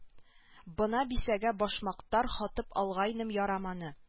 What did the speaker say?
Бына бисәгә башмактар һатып алгайнем яраманы